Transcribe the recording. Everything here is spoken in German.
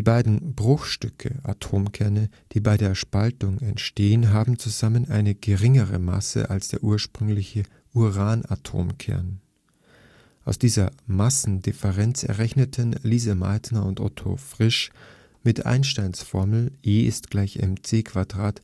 beiden Bruchstücke (Atomkerne), die bei der Spaltung entstehen, haben zusammen eine geringere Masse als der ursprüngliche Uranatomkern. Aus dieser Massendifferenz errechneten Lise Meitner und Otto Frisch mit Einsteins Formel E = mc²